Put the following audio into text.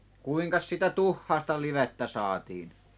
kuinkas sitä tuhkasta livettä saatiin